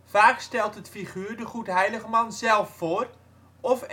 Vaak stelt het figuur de goedheiligman zelf voor, of